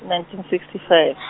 nineteen sixty five.